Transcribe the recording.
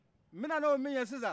nbe nan'o min ye sisan